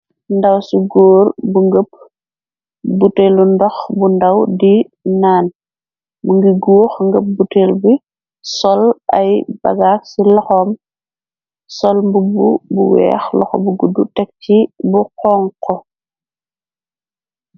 Ndaw ci góor bu ngëpp butelu ndox bu ndaw di naan bu ngi góux ngëp bu tel bi sol ay bagaag ci laxam sol mbubbu bu weex loxo bu guddu teg ci bu xonxo.